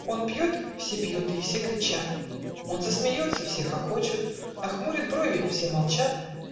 Он пьет - все пьют и все кричат Он засмеется - все хохочут Нахмурит брови - все молчат